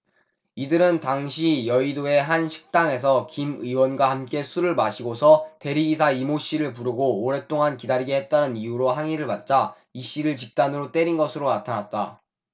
이들은 당시 여의도의 한 식당에서 김 의원과 함께 술을 마시고서 대리기사 이모씨를 부르고 오랫동안 기다리게 했다는 이유로 항의를 받자 이씨를 집단으로 때린 것으로 나타났다